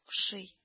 Ошый